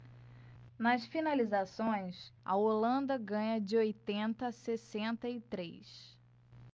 nas finalizações a holanda ganha de oitenta a sessenta e três